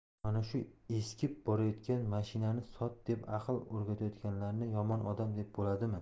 mana shu eskib borayotgan mashinani sot deb aql o'rgatayotganlarni yomon odam deb bo'ladimi